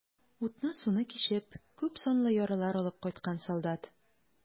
Утны-суны кичеп, күпсанлы яралар алып кайткан солдат.